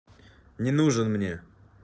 не нужен мне